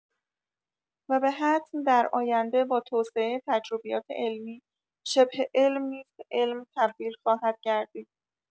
و به حتم در آینده با توسعه تجربیات علمی، شبه‌علم نیز به علم تبدیل خواهد گردید.